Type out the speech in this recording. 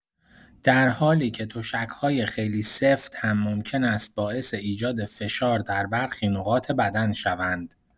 در حالی که تشک‌های خیلی سفت هم ممکن است باعث ایجاد فشار در برخی نقاط بدن شوند.